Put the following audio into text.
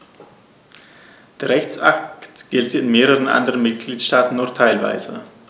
Der Rechtsakt gilt in mehreren anderen Mitgliedstaaten nur teilweise.